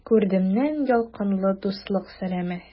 Күрдемнән ялкынлы дуслык сәламе!